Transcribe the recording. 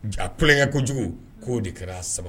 Ja a kulonkɛ ko jugu ko de kɛra sa